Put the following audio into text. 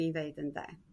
'swni'n ddeud ynde?